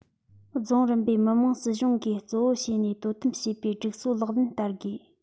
རྫོང རིམ པའི མི དམངས སྲིད གཞུང གིས གཙོ བོ བྱས ནས དོ དམ བྱེད པའི སྒྲིག སྲོལ ལག ལེན བསྟར དགོས